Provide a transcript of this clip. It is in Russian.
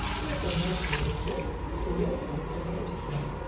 Все это значило, друзья: С приятелем стреляюсь я.